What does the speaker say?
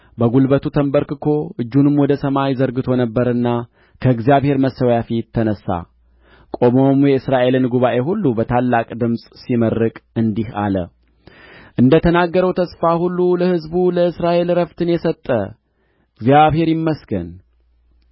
በጕልበቱ ተንበርክኮ እጁንም ወደ ሰማይ ዘርግቶ ነበርና ከእግዚአብሔር መሠዊያ ፊት ተነሣ ቆሞም የእስራኤልን ጉባኤ ሁሉ በታላቅ ድምፅ ሲመርቅ እንዲህ አለ እንደ ተናገረው ተስፋ ሁሉ ለሕዝቡ ለእስራኤል ዕረፍትን የሰጠ እግዚአብሔር ይመስገን በ